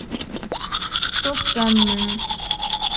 что ценное